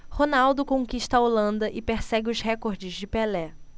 ronaldo conquista a holanda e persegue os recordes de pelé